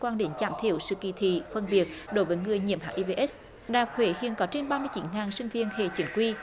quan đến giảm thiểu sự kỳ thị phân biệt đối với người nhiễm hát i vê ết đại học huế hiện có trên ba mươi chín ngàn sinh viên hệ chính quy